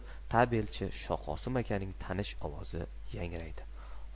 tabelchi shoqosim akaning tanish ovozi yangraydi